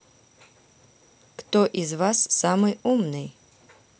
кто из вас самый умный